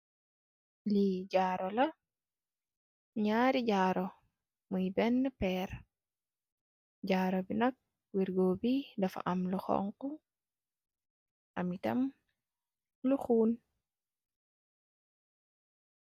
Li jaru la ñaari jaru muy benna péér . Jaru bi nak wirgo bi dafa am lu xonxu am yitam lu xuun.